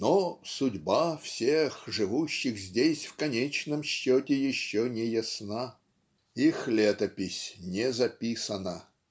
Но судьба всех, живущих здесь, в конечном счете еще неясна. Их летопись не записана.